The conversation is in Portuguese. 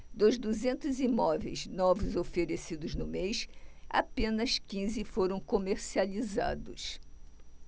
dos duzentos imóveis novos oferecidos no mês apenas quinze foram comercializados